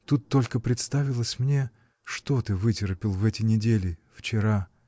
Тут только представилось мне, что ты вытерпел в эти недели, вчера.